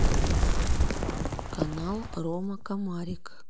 канал рома комарик